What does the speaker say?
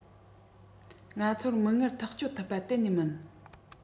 ང ཚོར མིག སྔར ཐག གཅོད ཐུབ པ གཏན ནས མིན